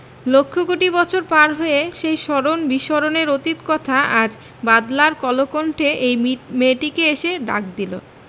লক্ষ কোটি বছর পার হয়ে সেই স্মরণ বিস্মরণের অতীত কথা আজ বাদলার কলকণ্ঠে ঐ মেয়েটিকে এসে ডাক দিল